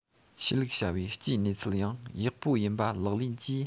ཆོས ལུགས བྱ བའི སྤྱིའི གནས ཚུལ ཡང ཡག པོ ཡིན པ ལག ལེན གྱིས